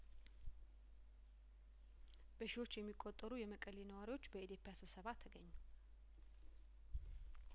በሺህዎች የሚቆጠሩ የመቀሌ ነዋሪዎች በኢዴፓ ስብሰባ ተገኙ